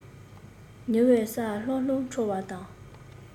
ཉི འོད གསལ ལྷང ལྷང འཕྲོ བ དང